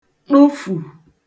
ṭụfù